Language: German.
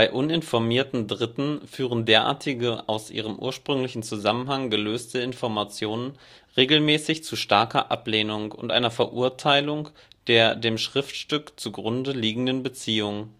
uninformierten Dritten führen derartige aus ihrem ursprünglichen Zusammenhang gelöste Informationen regelmäßig zu starker Ablehnung und einer Verurteilung der dem Schriftstück zugrundeliegenden Beziehung